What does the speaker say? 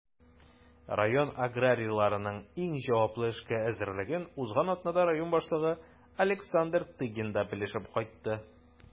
Район аграрийларының иң җаваплы эшкә әзерлеген узган атнада район башлыгы Александр Тыгин да белешеп кайтты.